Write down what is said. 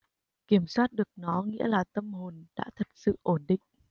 kiểm soát được nó nghĩa là tâm hồn đã thật sự ổn định